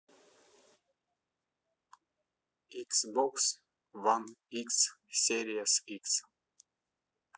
иксбокс ван икс серия с икс